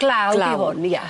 Glaw. Glaw 'di hwn ia.